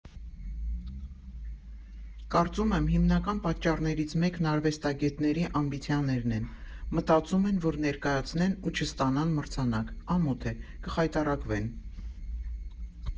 Կարծում եմ՝ հիմնական պատճառներից մեկն արվեստագետների ամբիցիաներն են, մտածում են, որ ներկայացնեն ու չստանան մրցանակ, ամոթ է, կխայտառակվեն։